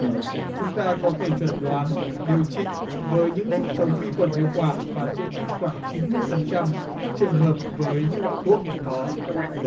chúng ta có thể chẩn đoán điều trị với những thuốc chống vi khuẩn hiệu quả và chữa trị khoảng chín mươi phần trăm các trường hợp với những loại thuốc hiện có